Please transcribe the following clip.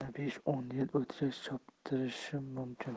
yana besh o'n yil ot choptirishim mumkin